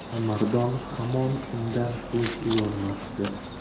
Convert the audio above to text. alimardon hamon undan ko'z uzolmasdi